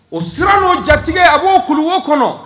O siran n'o jatigi a b'o kuluwo kɔnɔ